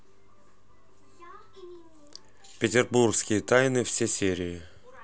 петербургские тайны все серии